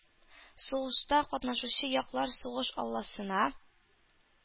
Сугышта катнашучы яклар сугыш алласына